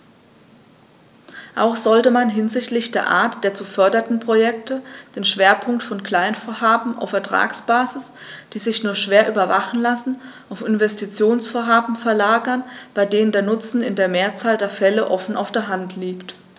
Auch sollte man hinsichtlich der Art der zu fördernden Projekte den Schwerpunkt von Kleinvorhaben auf Ertragsbasis, die sich nur schwer überwachen lassen, auf Investitionsvorhaben verlagern, bei denen der Nutzen in der Mehrzahl der Fälle offen auf der Hand liegt.